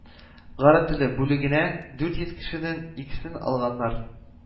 Гарәп теле бүлегенә дүрт йөз кешенең икесен алганнар